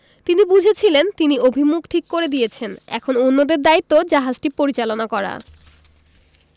তিনি বুঝেছিলেন তিনি অভিমুখ ঠিক করে দিয়েছেন এখন অন্যদের দায়িত্ব জাহাজটি পরিচালনা করা